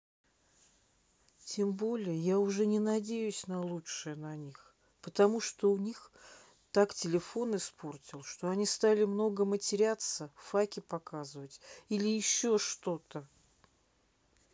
тем более я уже не надеюсь на лучшее на них потому что у них так телефон испортил что они стали много матеряться факи показывать или еще что то